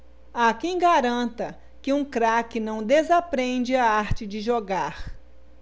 há quem garanta que um craque não desaprende a arte de jogar